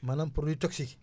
maanaam produits toxiques yi